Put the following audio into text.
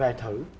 về thử thách